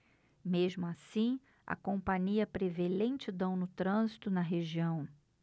mesmo assim a companhia prevê lentidão no trânsito na região